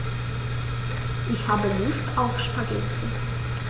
Ich habe Lust auf Spaghetti.